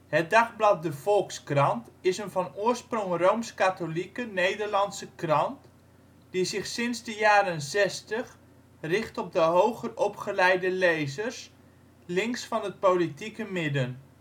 Het dagblad de Volkskrant is een van oorsprong rooms-katholieke Nederlandse krant, die zich sinds de jaren zestig richt op de hoger opgeleide lezers, links van het politieke midden